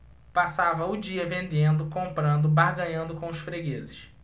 passava o dia vendendo comprando barganhando com os fregueses